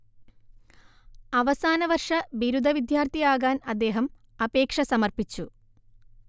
അവസാനവർഷ ബിരുദ വിദ്യാർത്ഥിയാകാൻ അദ്ദേഹം അപേക്ഷ സമർപ്പിച്ചു